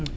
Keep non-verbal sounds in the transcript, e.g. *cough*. *hesitation* *hesitation*